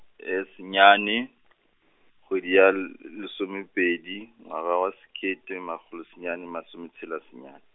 senyane , kgwedi ya l- lesomepedi, ngwaga wa sekete, makgolo senyane, masometshela senyane.